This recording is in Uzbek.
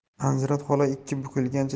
anzirat xola ikki bukilgancha